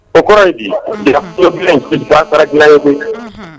O kɔrɔlen fara koyi ye